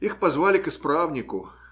Их позвали к исправнику.